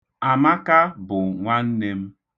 Amaka bụ nwanne m.